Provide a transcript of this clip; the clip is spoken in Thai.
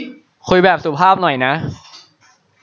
คุยแบบสุภาพหน่อยนะ